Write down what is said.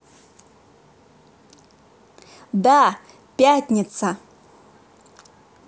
да пятница